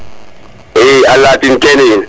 i a latin kene yiin